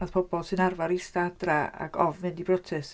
Roedd pobl sy'n arfer ista adra ac ofn mynd i brotest...